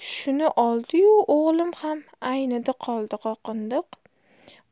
shuni oldi yu o'g'lim ham aynidi qoldi qoqindiq